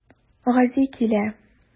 Гази килә.